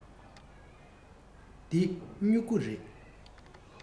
འདི སྨྲུ གུ རེད